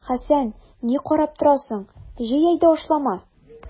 Хәсән, ни карап торасың, җый әйдә ашлама!